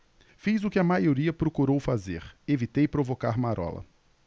fiz o que a maioria procurou fazer evitei provocar marola